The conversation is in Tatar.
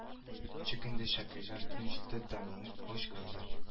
Чык инде шакирҗан төн җитте тамагың ачкандыр